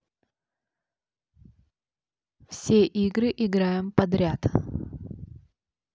все игры играем подряд